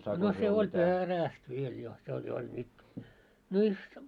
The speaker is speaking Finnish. no se oli perästä vielä jo se oli jo oli - virsta